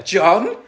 John?